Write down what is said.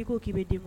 I ko k'i